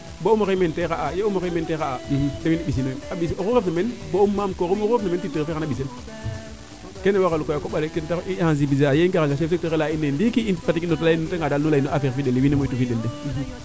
ba um oxey meen te xa' ya; um oxey meen te xa 'a de memba mbioso yo oxu refna meen ba'um mame koorum o ref na meen titeur xana mbisel keene waralu koy a koɓale i sensibliser aa yee i ngarana directeur a leya ine ndiiki nu ndeta nga Fatick nu ley affaire findeel le wiin we moytu findeel wiin we moytu findeel le